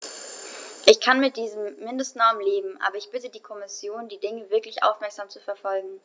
Ich kann mit diesen Mindestnormen leben, aber ich bitte die Kommission, die Dinge wirklich aufmerksam zu verfolgen.